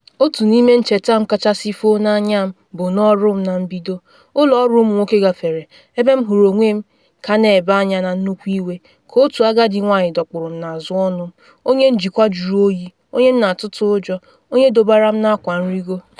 Otu n’ime ncheta m kachasị foo n’anya m bụ n’ọrụ m na mbido, ụlọ ọrụ ụmụ nwoke gafere, ebe m hụrụ onwe m ka na ebe anya na nnukwu iwe, ka otu agadi nwanyị dọkpụrụ m n’azụ onu m - onye njikwa juru oyi onye m na atụtụ ụjọ - onye dọbara m n’akwa nrigo.